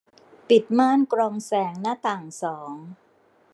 ปิดม่านกรองแสงหน้าต่างสอง